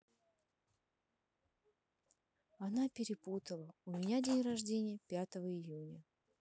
она перепутала у меня день рождения пятого июня